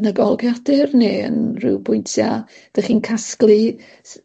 yn y golygiadur ne' yn ryw bwyntia' 'dach chi'n casglu s-